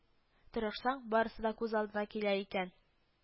Тырышсаң, барысы да күз алдына килә икән